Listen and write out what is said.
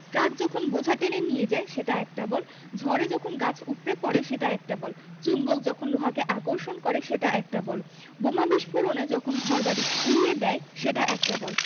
truck যখন বোঝা টেনে নিয়ে যায় সেটা একটা বল ঝড়ে যখন গাছ উপড়ে পড়ে সেটা একটা বল চুম্বক যখন লোহাকে আকর্ষণ করে সেটা একটা বল বোমা বিস্ফোরণে যখন ঘরবাড়ি উড়িয়ে দেয় সেটা একটা বল